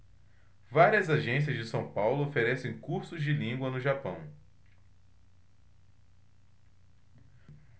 várias agências de são paulo oferecem cursos de língua no japão